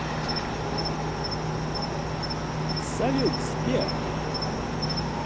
салют сбер